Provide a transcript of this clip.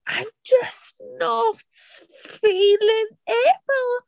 I'm just not feeling it fel...